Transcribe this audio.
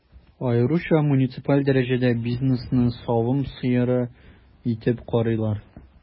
Аеруча муниципаль дәрәҗәдә бизнесны савым сыеры итеп карыйлар.